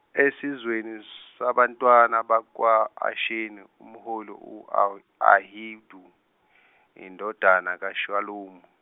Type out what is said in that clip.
esizweni sabantwana bakwa Ashenu- umholi u au- Ahindu, indodana kaShelomi.